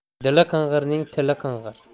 dili qing'irning tili qing'ir